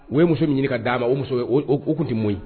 U ye muso ɲini ka d'a ma o muso ye u tun tɛ mɔ ye